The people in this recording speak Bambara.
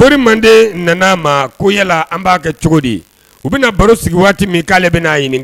Mori mande nana a ma ko yala an b'a kɛ cogo di ye u bɛna baro sigi waati min k'ale bɛnaa ɲini